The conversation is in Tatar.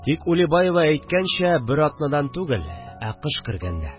Тик, Улибаева әйткәнчә, бер атнадан түгел, ә кыш кергәндә